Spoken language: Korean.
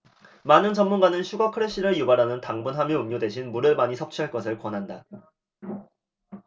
많은 전문가는 슈거 크래시를 유발하는 당분 함유 음료 대신 물을 많이 섭취할 것을 권한다